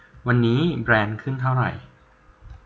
วันนี้แบรนด์ขึ้นเท่าไหร่